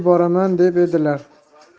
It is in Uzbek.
yuboraman deb edilar